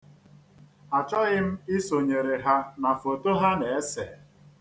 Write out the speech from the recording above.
Achọghị m isonyere ha na foto ha na-ese.